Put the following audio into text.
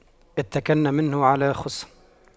اتَّكَلْنا منه على خُصٍّ